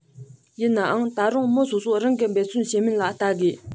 ཡིན ནའང ད དུང མི སོ སོ རང གིས འབད བརྩོན བྱེད མིན ལ བལྟ དགོས